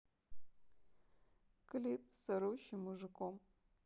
клип с орущим мужиком